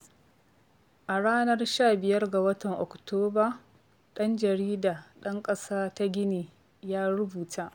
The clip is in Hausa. A ranar 15 ga watan Oktoba, ɗan jarida ɗan ƙasar ta Gini ya rubuta: